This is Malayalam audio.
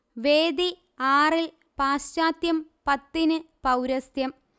വേദി ആറിൽ പാശ്ചാത്യം പത്തിന് പൌരസ്ത്യം